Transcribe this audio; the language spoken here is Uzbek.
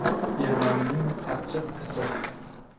ermanning achchiq isi